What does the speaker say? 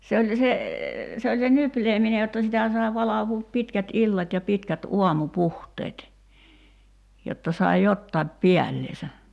se oli se se oli se nyplääminen jotta sitä sai valvoa pitkät illat ja pitkät aamupuhteet jotta sai jotakin päällensä